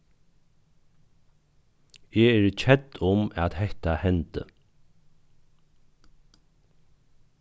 eg eri kedd um at hetta hendi